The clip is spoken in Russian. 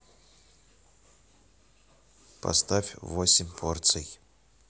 поставь восемь порций